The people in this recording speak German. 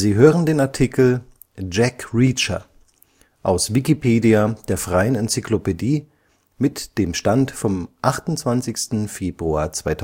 hören den Artikel Jack Reacher (Film), aus Wikipedia, der freien Enzyklopädie. Mit dem Stand vom Der